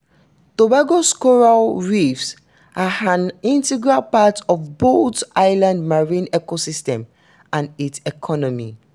Tobago's coral reefs are an integral part of both the island's marine ecosystem and its economy.